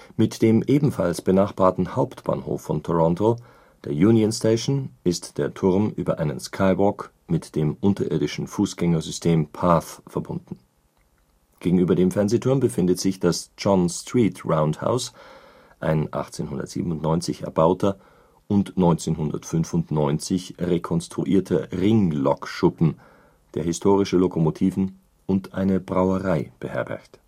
Mit dem ebenfalls benachbarten Hauptbahnhof von Toronto, der Union Station, ist der Turm über einen Skywalk mit dem unterirdischen Fußgängersystem PATH verbunden. Gegenüber dem Fernsehturm befindet sich das John Street Roundhouse, ein 1897 erbauter und 1995 rekonstruierter Ringlokschuppen, der historische Lokomotiven und eine Brauerei beherbergt